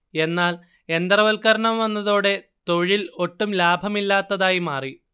എന്നാൽ യന്ത്രവൽക്കരണം വന്നതോടെ തൊഴിൽ ഒട്ടും ലാഭമില്ലാത്തതായി മാറി